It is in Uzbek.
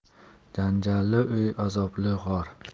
janjalli uy azobli go'r